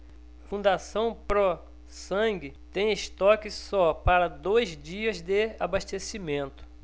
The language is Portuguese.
fundação pró sangue tem estoque só para dois dias de abastecimento